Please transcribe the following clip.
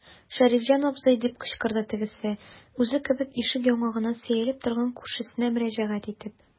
Шәрифҗан абзый, - дип кычкырды тегесе, үзе кебек ишек яңагына сөялеп торган күршесенә мөрәҗәгать итеп.